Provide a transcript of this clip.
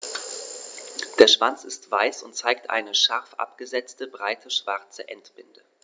Der Schwanz ist weiß und zeigt eine scharf abgesetzte, breite schwarze Endbinde.